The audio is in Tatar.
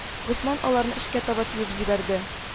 Госман аларны эчкә таба тибеп җибәрде